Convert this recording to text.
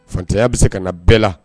Fantanya bɛ se ka na bɛɛ la